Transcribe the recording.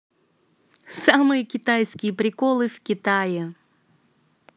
самые китайские приколы в китае